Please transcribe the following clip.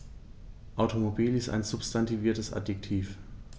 Automobil ist ein substantiviertes Adjektiv.